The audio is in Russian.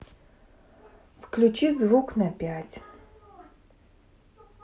включи звук на пять